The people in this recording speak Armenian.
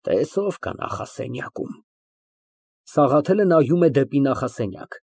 Տես ով կա նախասենյակում։ (Սաղաթելը նայում է դեպի նախասենյակ)։